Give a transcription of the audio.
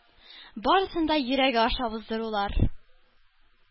Барысын да йөрәге аша уздырулар…